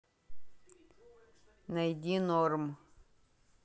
найди норм